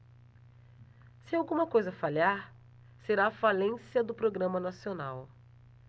se alguma coisa falhar será a falência do programa nacional